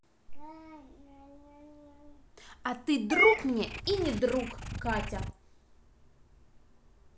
а ты друг мне и не друг катя